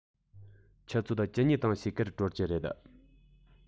ཆུ ཚོད བཅུ གཉིས དང ཕྱེད ཀར གྲོལ གྱི རེད